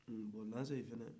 bɔn lansayi fana